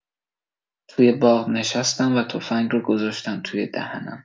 توی باغ نشستم و تفنگ رو گذاشتم توی دهنم.